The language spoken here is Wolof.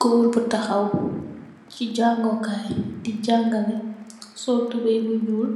Goor bu takhaw ci Jango Kai di jangeleh sol tubey bu nyool